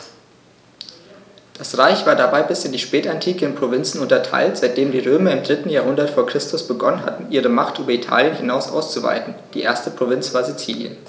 Das Reich war dabei bis in die Spätantike in Provinzen unterteilt, seitdem die Römer im 3. Jahrhundert vor Christus begonnen hatten, ihre Macht über Italien hinaus auszuweiten (die erste Provinz war Sizilien).